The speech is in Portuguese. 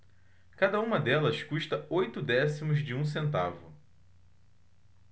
cada uma delas custa oito décimos de um centavo